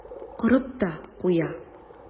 Корып та куя.